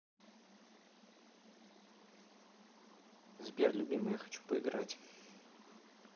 сбер любимый я хочу поиграть